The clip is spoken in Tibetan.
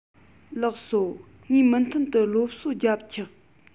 ལགས སོ ངས མུ མཐུད དུ སློབ གསོ རྒྱབ ཆོག